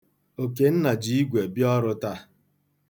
Okenna ji igwe bịa ọrụ taa.